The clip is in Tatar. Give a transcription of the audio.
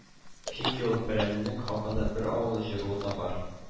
Чөнки ул перәннек хакында бер авыл җыруы да бар